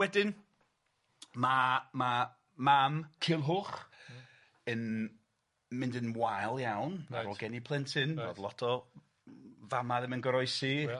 Wedyn ma' ma' mam Culhwch yn mynd yn wael iawn. Reit. Ar ôl geni plentyn roedd lot o fama ddim yn goroesi. Ia.